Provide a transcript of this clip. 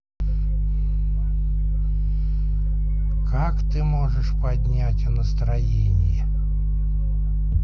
как ты можешь поднять настроение